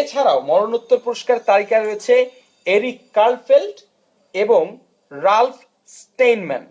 এছাড়া মরণোত্তর পুরস্কার তালিকায় রয়েছে এরিক কার্ল ফেল্ট এবং রালফ স্টেইন ম্যান